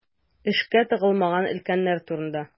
Эшкә тыгылмаган өлкәннәр турында.